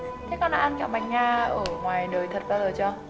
thế con đã ăn kẹo mạch nha ở ngoài đời thực bao giờ chưa